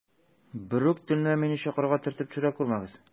Берүк төнлә мине чокырга төртеп төшерә күрмәгез.